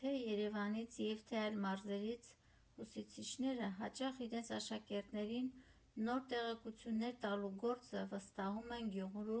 Թե՛ Երևանից և թե՛ այլ մարզերից ուսուցիչները հաճախ իրենց աշակերտներին նոր տեղեկություններ տալու գործը վստահում են Գյումրու